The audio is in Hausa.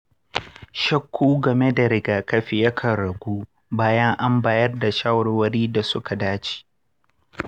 shakku game da rigakafi yakan ragu bayan an bayar da shawarwari da suka dace.